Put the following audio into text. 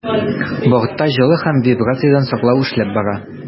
Бортта җылы һәм вибрациядән саклау эшләп тора.